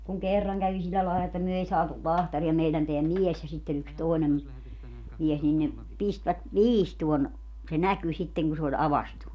kun kerran kävi sillä lailla että me ei saatu lahtaria meidän tämä mies ja sitten yksi toinen mies niin ne pistivät viistoon se näkyi sitten kun se oli aukaistu